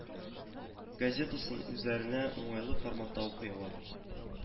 Газетасын үзләренә уңайлы форматта укый ала